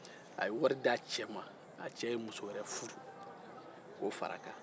a ye wari d'a cɛ ma a cɛ ye muso wɛrɛ furu ko far'a kan